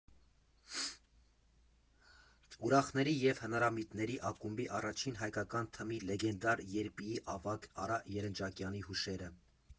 Ուրախների և հնարամիտների ակումբի առաջին հայկական թմի՝ լեգենդար ԵրՊԻ֊ի ավագ Արա Երնջակյանի հուշերը։